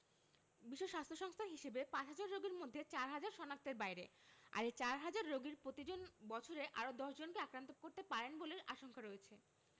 বিশ্ব স্বাস্থ্য সংস্থার হিসেবে পাঁচহাজার রোগীর মধ্যে চারহাজার শনাক্তের বাইরে আর এ চারহাজার রোগীর প্রতিজন বছরে আরও ১০ জনকে আক্রান্ত করতে পারেন বলে আশঙ্কা রয়েছে